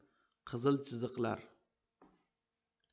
qizil chiziqlar